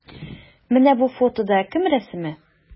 Менә бу фотода кем рәсеме?